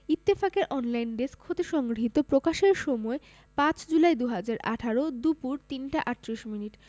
ইত্তফাকের online desk হতে সংগৃহীত প্রকাশের সময় ৫ জুলাই ২০১৮ দুপুর ৩টা ৩৮ মিনিট